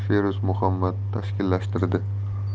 feruz muhammad tashkillashtirdi